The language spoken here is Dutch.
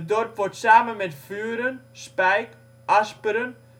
Wordt samen met Vuren, Spijk, Asperen